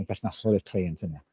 yn berthnasol i'r cleient yna